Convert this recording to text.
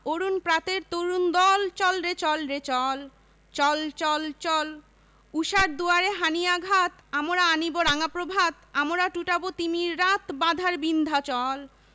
অরুণ প্রাতের তরুণ দল চল রে চল রে চল চল চল চল ঊষার দুয়ারে হানি' আঘাত আমরা আনিব রাঙা প্রভাত আমরা টুটাব তিমির রাত বাধার বিন্ধ্যাচল